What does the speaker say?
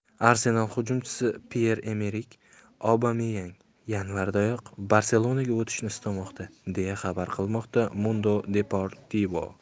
arsenal hujumchisi pyer emerik obameyang yanvardayoq barselona ga o'tishni istamoqda deya xabar qilmoqda mundo deportivo